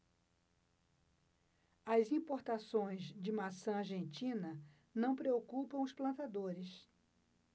as importações de maçã argentina não preocupam os plantadores